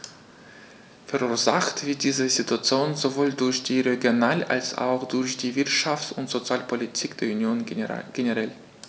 Verursacht wird diese Situation sowohl durch die Regional- als auch durch die Wirtschafts- und Sozialpolitik der Union generell.